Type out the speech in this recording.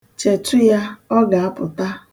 Chetụ ya, ọ ga-apụta.